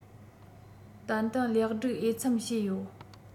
ཏན ཏན ལེགས སྒྲིག འོས འཚམས བྱས ཡོད